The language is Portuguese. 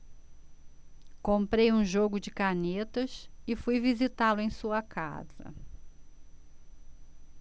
comprei um jogo de canetas e fui visitá-lo em sua casa